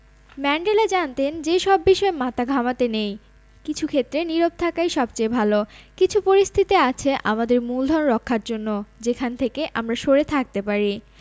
Mandela জানতেন যে সব বিষয়ে মাথা ঘামাতে নেই কিছু ক্ষেত্রে নীরব থাকাই সবচেয়ে ভালো কিছু পরিস্থিতি আছে আমাদের মূলধন রক্ষার জন্য যেখান থেকে আমরা সরে থাকতে পারি